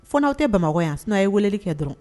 Fo n'aw tɛ Bamakɔ yan sinon aw ye weleli kɛ dɔrɔn